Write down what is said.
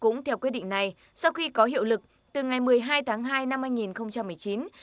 cũng theo quyết định này sau khi có hiệu lực từ ngày mười hai tháng hai năm hai nghìn không trăm mười chín